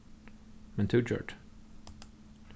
men tú gjørdi